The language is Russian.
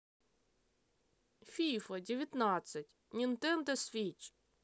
фифа девятнадцать нинтендо свитч